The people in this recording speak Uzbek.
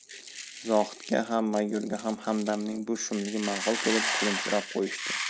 zohidga ham mayorga ham hamdamning bu shumligi ma'qul kelib kulimsirab qo'yishdi